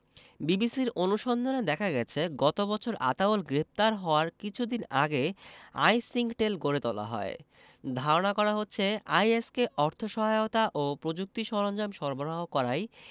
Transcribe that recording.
বিবিসির অনুসন্ধানে দেখা গেছে গত বছর আতাউল গ্রেপ্তার হওয়ার কিছুদিন আগে আইসিংকটেল গড়ে তোলা হয় ধারণা করা হচ্ছে আইএস কে অর্থ সহায়তা ও প্রযুক্তি সরঞ্জাম সরবরাহ করাই